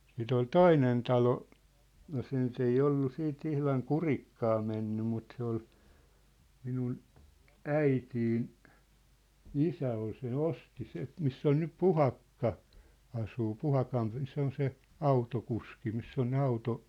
sitten oli toinen talo ja se nyt ei ollut sitten ihan kurikkaan mennyt mutta se oli minun äitini isä oli sen osti se missä on nyt Puhakka asuu Puhakan se on se autokuski missä on ne -